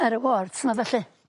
Ar y wards 'ma felly?